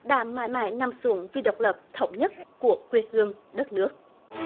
đã mãi mãi nằm xuống vì độc lập thống nhất của quê hương đất nước